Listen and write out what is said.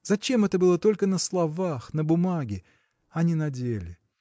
Зачем это было только на словах, на бумаге, а не на деле?